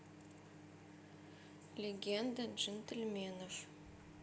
легенда джентльменов